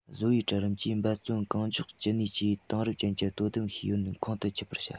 བཟོ པའི གྲལ རིམ གྱིས འབད བརྩོན གང ལྕོགས ཅི ནུས ཀྱིས དེང རབས ཅན གྱི དོ དམ ཤེས ཡོན ཁོང དུ ཆུད པར བྱས